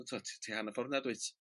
Wel t'mo' ti ti hannar ffor 'na dwyt?